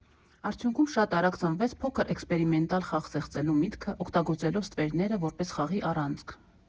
Արդյունքում շատ արագ ծնվեց փոքր էքսպերիմենտալ խաղ ստեղծելու միտքը՝ օգտագործելով ստվերները՝ որպես խաղի առանցք։